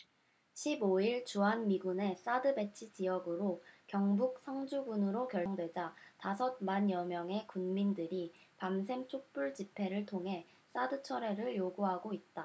십 오 일 주한미군의 사드 배치 지역으로 경북 성주군으로 결정되자 다섯 만여명의 군민들이 밤샘 촛불 집회를 통해 사드 철회를 요구하고 있다